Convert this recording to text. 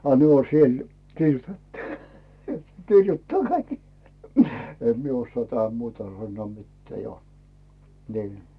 a ne on siellä kirjoitettu kirjoittaa kaikki en minä osaa tähän muuta sanoa mitään jo niin